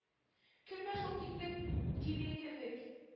Көлмә шул тикле тиле кебек